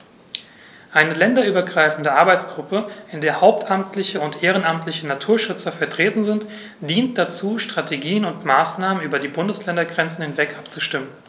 Eine länderübergreifende Arbeitsgruppe, in der hauptamtliche und ehrenamtliche Naturschützer vertreten sind, dient dazu, Strategien und Maßnahmen über die Bundesländergrenzen hinweg abzustimmen.